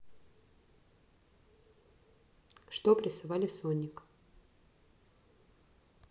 что пресовали соник